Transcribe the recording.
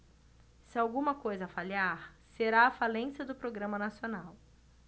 se alguma coisa falhar será a falência do programa nacional